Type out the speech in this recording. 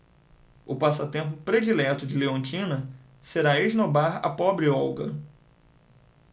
o passatempo predileto de leontina será esnobar a pobre olga